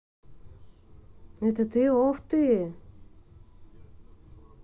это ты ох ты